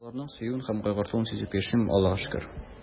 Балаларның сөюен һәм кайгыртуын сизеп яшим, Аллага шөкер.